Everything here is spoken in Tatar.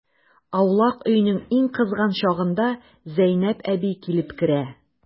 Аулак өйнең иң кызган чагында Зәйнәп әби килеп керә.